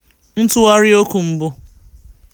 Ntụgharị okwu mbụ